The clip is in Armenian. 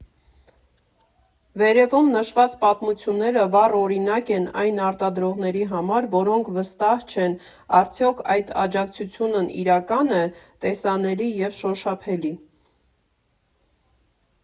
Վերևում նշված պատմությունները վառ օրինակ են այն արտադրողների համար, որոնք վստահ չեն՝ արդյո՞ք այդ աջակցությունն իրական է, տեսանելի և շոշափելի։